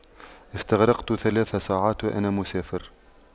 استغرقت ثلاث ساعات وأنا مسافر